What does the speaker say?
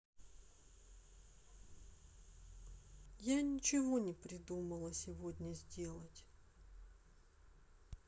я ничего не придумала сегодня сделать